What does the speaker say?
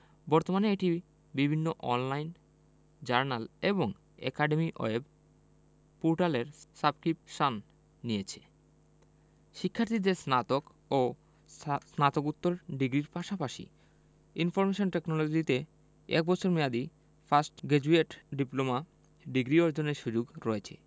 বর্তমানে এটি বিভিন্ন অন লাইন জার্নাল এবং একাডেমিক ওয়েব পোর্টালের সাবক্রিপশান নিয়েছে শিক্ষার্থীদের স্নাতক ও স্নাতকোত্তর ডিগ্রির পাশাপাশি ইনফরমেশন টেকনোলজিতে এক বছর মেয়াদি পাস্ট গ্রাজুয়েট ডিপ্লোমা ডিগ্রি অর্জনের সুযোগ রয়েছে